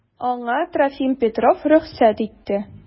Аңа Трофим Петров рөхсәт итте.